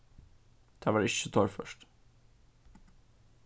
tað var ikki so torført